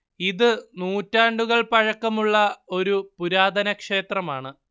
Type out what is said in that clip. ഇതു നൂറ്റാണ്ടുകൾ പഴക്കമുള്ള ഒരു പുരാതന ക്ഷേത്രമാണ്